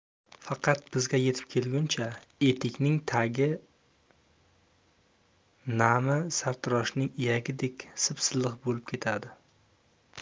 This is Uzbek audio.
faqat bizga yetib kelguncha etikning tagi naim sartaroshning iyagidek sipsilliq bo'lib ketadi